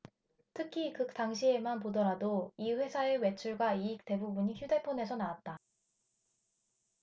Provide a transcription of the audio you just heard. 특히 그 당시에만 보더라도 이 회사의 매출과 이익 대부분이 휴대폰에서 나왔다